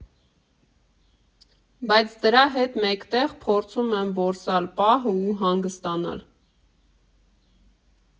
Բայց դրա հետ մեկտեղ փորձում եմ որսալ պահը ու հանգստանալ։